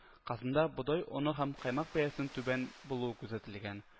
Казанда бодай оны һәм каймак бәясе түбән булуы күзәтелгән